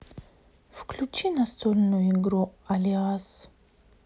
включи настольную игру алиас